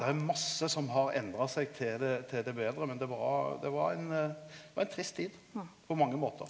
det er masse som har endra seg til det til det betre, men det var det var ein var ein trist tid på mange måtar.